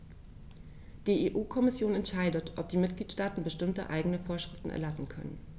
Die EU-Kommission entscheidet, ob die Mitgliedstaaten bestimmte eigene Vorschriften erlassen können.